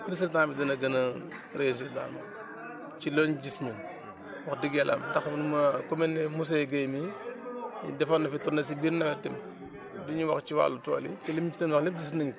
résultat bi dina gën a réussir daal moom ci liñ gis ñun wax dëgg yàlla taxul ma ku mel ne monsieur Guèye mii defoon na fi tournée si biir nawet tamit di ñu wax ci wàllu tool yi te lim ci doon wax lépp gis nañ ko